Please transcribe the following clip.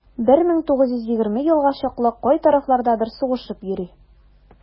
1920 елга чаклы кай тарафлардадыр сугышып йөри.